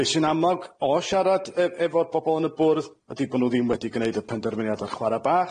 Be' sy'n amog o siarad ef- efo'r bobol yn y Bwrdd ydi bo' nw ddim wedi gneud y penderfyniad ar chwara' bach.